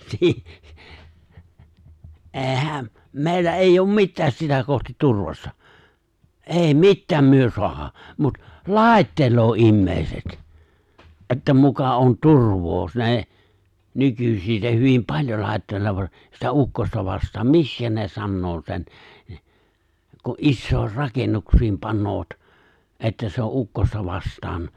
- eihän meillä ei ole mitään sitä kohti turvassa ei mitään me saada mutta laittelee ihmiset että muka on turvaa - ne nykyisin ne hyvin paljon laittelevat sitä ukkosta vastaan miksi ne sanoo sen kun isoihin rakennuksiin panevat että se on ukkosta vastaan